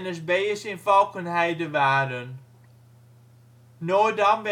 NSB'ers in Valkenheide waren. Noordam